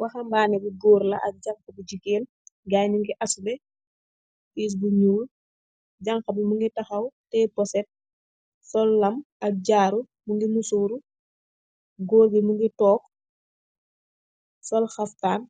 Wahambanex bu goor ak janha bu jigeen ,gaii jugex asobex piss bu gul janha bugux tahax teex poset , sol lamm ak jaruu mukeeh musooru , goor bi mukeex toog sol haftan